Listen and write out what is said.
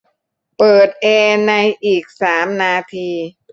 เปิดแอร์ในอีกสามนาที